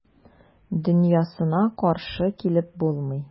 Дөньясына каршы килеп булмый.